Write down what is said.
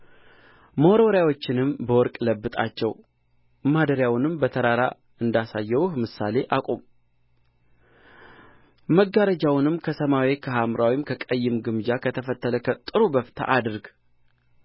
መወርወሪያዎችንም በወርቅ ለብጣቸው ማደሪያውንም በተራራ እንዳሳየሁህ ምሳሌ አቁም መጋረጃውንም ከሰማያዊ ከሐምራዊም ከቀይም ግምጃ ከተፈተለ ከጥሩ በፍታም አድርግ